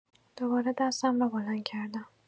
دوباره دستم را بلند کردم.